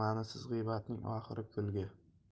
ma'nisiz g'iybatning oxiri kulki